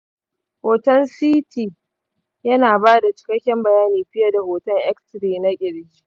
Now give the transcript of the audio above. hoton ct yana ba da cikakken bayani fiye da hoton x-ray na ƙirji.